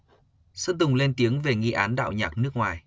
sơn tùng lên tiếng về nghi án đạo nhạc nước ngoài